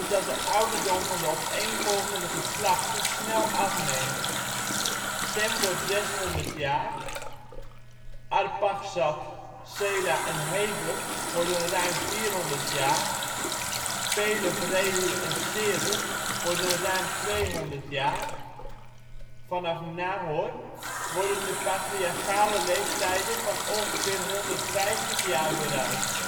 dat de ouderdom van de opeenvolgende geslachten snel afneemt: Sem wordt 600 jaar, Arpachsad, Selah en Heber worden ruim 400 jaar, Peleg, Rehu en Serug worden ruim 200 jaar. Vanaf Nahor worden de patriarchale leeftijden van ongeveer 150 jaar bereikt